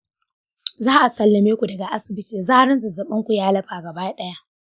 za a sallame ku daga asibiti da zarar zazzabin ku ya lafa gaba ɗaya.